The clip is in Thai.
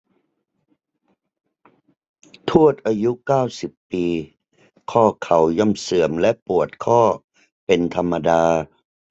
ทวดอายุเก้าสิบปีข้อเข้าย่อมเสื่อมและปวดข้อเป็นธรรมดา